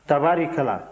tabaarikala